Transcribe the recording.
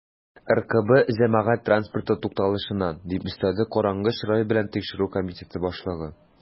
"ркб җәмәгать транспорты тукталышыннан", - дип өстәде караңгы чырай белән тикшерү комитеты башлыгы.